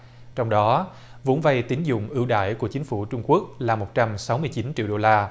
trong đó vốn vay tín dụng ưu đãi của chính phủ trung quốc là một trăm sáu mươi chín triệu đô la